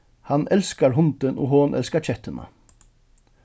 hann elskar hundin og hon elskar kettuna